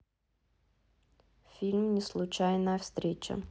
фильм неслучайная встреча